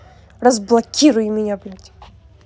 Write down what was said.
разблокируй меня блядь